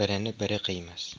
birini biri qiymas